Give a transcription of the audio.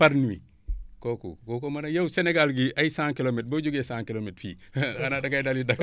par nuit kooku kooku mën na yow Sénégal gii ay cent kilomètres boo jugee cent kilomètres fii xanaa da ngay dali Dakar